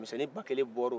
cɛmisɛnni ba kelen bɔra ola